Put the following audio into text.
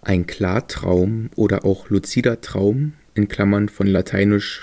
Ein Klartraum oder auch luzider Traum (von lat.